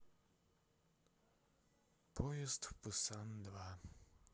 поезд в пусан два